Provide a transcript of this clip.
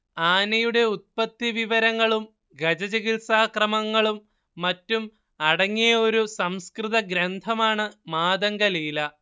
ആനയുടെ ഉത്പത്തിവിവരങ്ങളും ഗജചികിത്സാക്രമങ്ങളും മറ്റും അടങ്ങിയ ഒരു സംസ്കൃത ഗ്രന്ഥമാണ് മാതംഗലീല